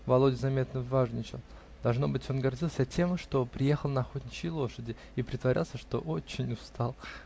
Володя заметно важничал: должно быть, он гордился тем, что приехал на охотничьей лошади, и притворялся, что очень устал.